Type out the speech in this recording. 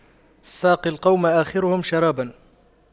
ساقي القوم آخرهم شراباً